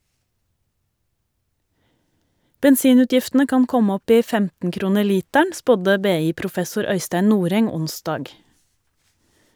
Bensinutgiftene kan komme opp i 15 kroner literen, spådde BI-professor Øystein Noreng onsdag.